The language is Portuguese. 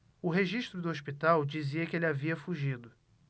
o registro do hospital dizia que ele havia fugido